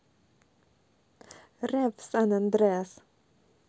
рэп сан андреас